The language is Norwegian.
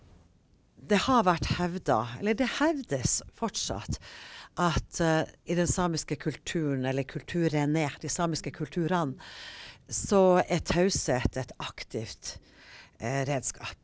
det har vært hevda, eller det hevdes fortsatt, at i den samiske kulturen eller kulturene, de samiske kulturene så er taushet et aktivt redskap.